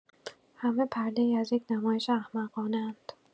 همه پرده‌ای از یک نمایش احمقانه اند!